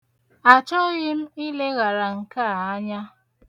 Achọghị m ileghara nke a anya.